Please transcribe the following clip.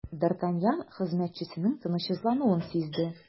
Д’Артаньян хезмәтчесенең тынычсызлануын сизде.